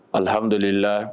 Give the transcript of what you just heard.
Alihamdulilalila